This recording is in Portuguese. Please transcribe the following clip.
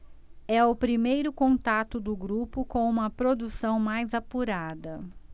é o primeiro contato do grupo com uma produção mais apurada